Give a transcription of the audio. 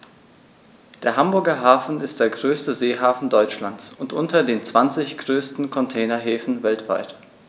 Der Hamburger Hafen ist der größte Seehafen Deutschlands und unter den zwanzig größten Containerhäfen weltweit.